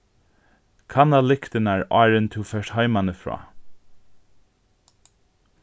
kanna lyktirnar áðrenn tú fert heimanífrá